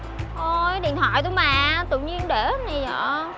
thôi điện thoại tôi mà tự nhiên để cái này dợ